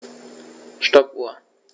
Stoppuhr.